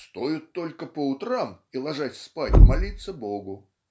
стоит только по утрам и ложась спать молиться Богу".